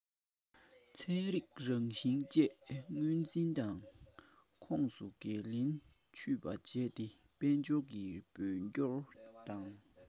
ཚན རིག རང བཞིན བཅས ངོས འཛིན དང ཁོང དུ གང ལེགས ཆུད པ བྱས ཏེ དཔལ འབྱོར གྱི བོད སྐྱོར དང